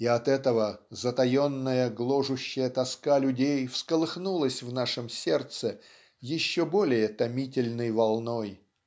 и от этого затаенная гложущая тоска людей всколыхнулась в нашем сердце еще более томительной волной.